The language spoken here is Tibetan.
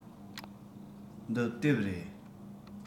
འདི དེབ རེད